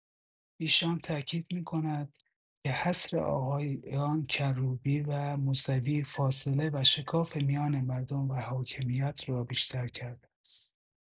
ایشان تاکید می‌کند که حصر آقایان کروبی و موسوی فاصله و شکاف میان مردم و حاکمیت را بیشتر کرده است.